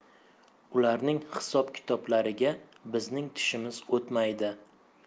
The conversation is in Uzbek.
ularning hisob kitoblariga bizning tishimiz o'tmaydi